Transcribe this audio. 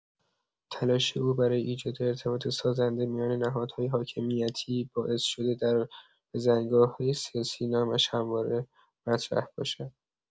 تلاش او برای ایجاد ارتباط سازنده میان نهادهای حاکمیتی، باعث شده در بزنگاه‌های سیاسی نامش همواره مطرح باشد.